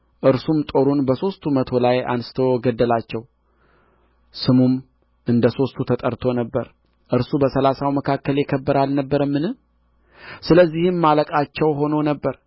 እርሱም ጦሩን በሦስቱ መቶ ላይ አንሥቶ ገደላቸው ስሙም እንደ ሦስቱ ተጠርቶ ነበር እርሱ በሠላሳው መካከል የከበረ አልነበረምን ስለዚህ አለቃቸው ሆኖ ነበር